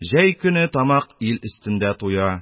Җәй көне тамак ил өстендә туя,